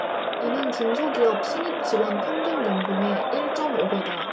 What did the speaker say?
이는 중소기업 신입 직원 평균 연봉의 일 쩜 오 배다